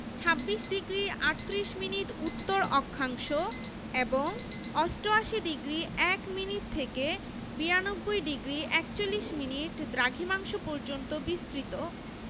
২৬ degree ৩৮ minute উত্তর অক্ষাংশ এবং ৮৮ ডিগ্রি ০১ মিনিট থেকে ৯২ ডিগ্রি ৪১মিনিট দ্রাঘিমাংশ পর্যন্ত বিস্তৃত